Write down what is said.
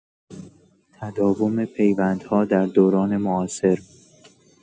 تداوم پیوندها در دوران معاصر